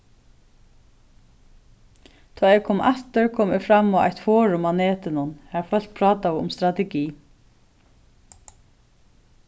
tá eg kom aftur kom eg fram á eitt forum á netinum har fólk prátaðu um strategi